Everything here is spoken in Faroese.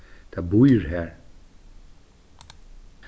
tað býr har